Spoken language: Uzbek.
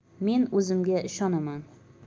men o'zimga ishonaman